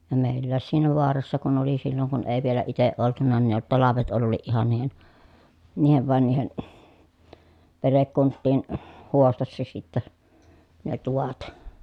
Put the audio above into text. ja meilläkin siinä vaarassa kun oli silloin kun ei vielä itse oltu niin ne talvet olikin ihan niiden niiden vain niiden perhekuntien huostassa sitten ne tuvat